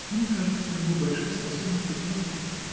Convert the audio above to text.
-- Мне кажется, у него большие способности к музыке